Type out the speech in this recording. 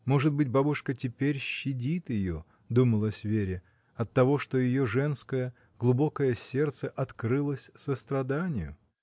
Может быть, бабушка теперь щадит ее, думалось Вере, оттого что ее женское, глубокое сердце открылось состраданию.